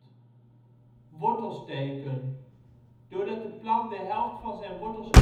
Wortelstekken: Doordat de plant de helft van zijn wortels